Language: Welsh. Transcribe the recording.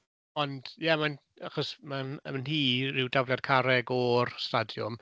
Ond ie, mae'n... achos mae'n ddim yn hir, rhyw dafliad carreg, o'r Stadiwm.